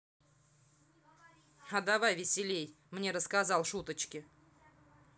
a давай веселей мне рассказал шуточки